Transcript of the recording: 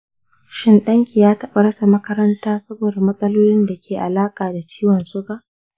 shin ɗanki ya taɓa rasa makaranta saboda matsalolin da ke da alaƙa da ciwon suga?